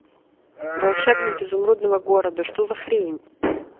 волшебник изумрудного города что за хрень